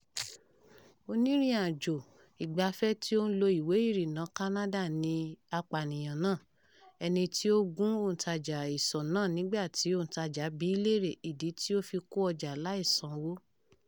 Onírìn àjò ìgbafẹ́ tí ó ń lo ìwé-ìrìnnà Orílẹ̀-èdè Canada ni apànìyàn náà, ẹni tí ó gún òǹtajà ìsọ̀ náà nígbà tí òǹtajà bíi léèrè ìdí tí ó fi kó ọjà láì san owó.